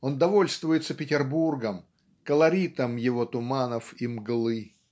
он довольствуется Петербургом, колоритом его туманов и мглы.